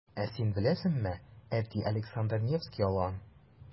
Ә син беләсеңме, әти Александр Невский алган.